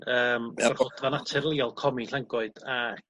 yym ma'n natur leol comin Llangoed a...